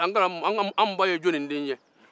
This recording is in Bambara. anw ba ye jɔnni den ye